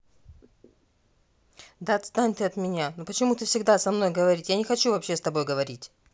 да отстань от меня но почему ты всегда со мной говорить я не хочу вообще с тобой говорить